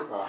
waaw